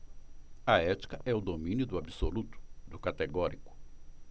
a ética é o domínio do absoluto do categórico